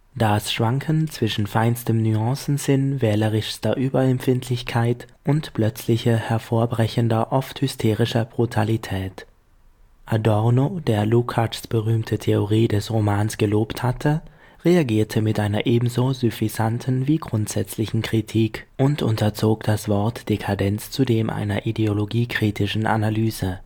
das Schwanken zwischen feinstem Nuancensinn, wählerischster Überempfindlichkeit und plötzliche hervorbrechender, oft hysterischer Brutalität …". Adorno, der Lukács’ berühmte Theorie des Romans gelobt hatte, reagierte mit einer ebenso süffisanten wie grundsätzlichen Kritik und unterzog das Wort Dekadenz zudem einer ideologiekritischen Analyse